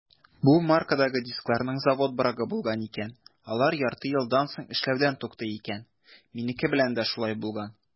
Бу маркадагы дискларның завод брагы булган икән - алар ярты елдан соң эшләүдән туктый икән; минеке белән дә шулай булган.